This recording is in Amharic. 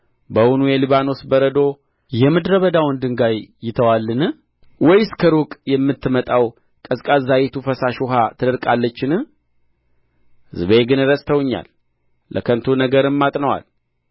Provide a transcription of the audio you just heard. በውኑ የሊባኖስ በረዶ የምድረ በዳውን ድንጋይ ይተዋልን ወይስ ከሩቅ የምትመጣው ቀዝቃዛይቱ ፈሳሽ ውኃ ትደርቃለችን ሕዝቤ ግን ረስተውኛል ለከንቱ ነገርም ዐጥነዋል